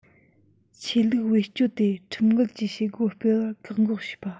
ཆོས ལུགས བེད སྤྱད དེ ཁྲིམས འགལ གྱི བྱེད སྒོ སྤེལ བར བཀག འགོག བྱེད པ